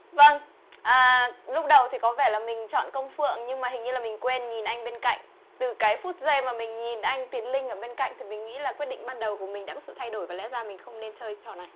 vâng a lúc đầu thì có vẻ là mình chọn công phượng nhưng mà hình như là mình quên nhìn anh bên cạnh từ cái phút giây mà mình nhìn anh tiến linh ở bên cạnh thì mình nghĩ là quyết định ban đầu của mình đã có sự thay đổi và lẽ ra mình không nên chơi trò này